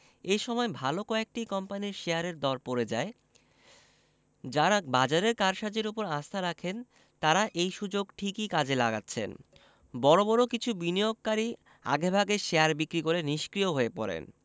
এ সময় ভালো কয়েকটি কোম্পানির শেয়ারের দর পড়ে যায় যাঁরা বাজারের কারসাজির ওপর আস্থা রাখেন তাঁরা এই সুযোগ ঠিকই কাজে লাগাচ্ছেন বড় বড় কিছু বিনিয়োগকারী আগেভাগে শেয়ার বিক্রি করে নিষ্ক্রিয় হয়ে পড়েন